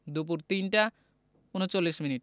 দুপুর ৩টা ৩৯মিনিট